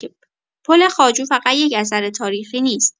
پل خواجو فقط یک اثر تاریخی نیست؛